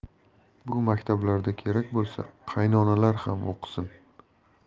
bu maktablarda kerak bo'lsa qaynonalar ham o'qisin